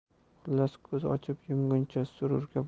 xullas ko'z ochib yumguncha sururga